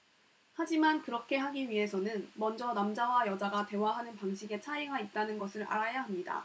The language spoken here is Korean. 하지만 그렇게 하기 위해서는 먼저 남자와 여자가 대화하는 방식에 차이가 있다는 것을 알아야 합니다